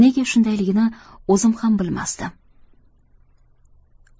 nega shundayligini o'zim ham bilmasdim